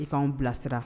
I k'anw bilasira